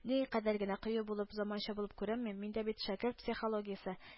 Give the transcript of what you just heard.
Ниикадәр генә кыю булып, заманча булып күренмим, миндә бит шәкерт психологиясе